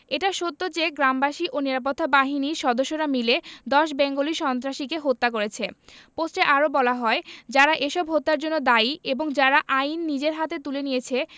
এটা সত্য যে গ্রামবাসী ও নিরাপত্তা বাহিনীর সদস্যরা মিলে ১০ বেঙ্গলি সন্ত্রাসীকে হত্যা করেছে পোস্টে আরো বলা হয় যারা এসব হত্যার জন্য দায়ী এবং যারা আইন নিজের হাতে তুলে নিয়েছে